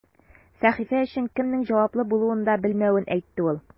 Сәхифә өчен кемнең җаваплы булуын да белмәвен әйтте ул.